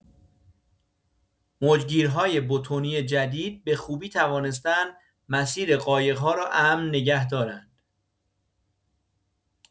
موج‌گیرهای بتنی جدید به خوبی توانسته‌اند مسیر قایق‌ها را امن نگه دارند.